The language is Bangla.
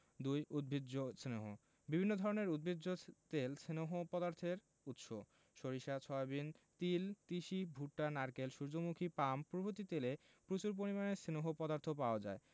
২. উদ্ভিজ্জ স্নেহ বিভিন্ন প্রকারের উদ্ভিজ তেল স্নেহ পদার্থের উৎস সরিষা সয়াবিন তিল তিসি ভুট্টা নারকেল সুর্যমুখী পাম প্রভৃতির তেলে প্রচুর পরিমাণে স্নেহ পদার্থ পাওয়া যায়